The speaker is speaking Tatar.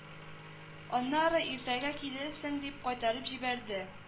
Аннары иртәгә килерсең дип кайтарып җибәрде